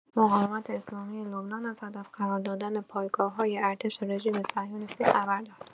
مقاومت اسلامی لبنان از هدف قرار دادن پایگاه‌های ارتش رژیم صهیونیستی خبر داد.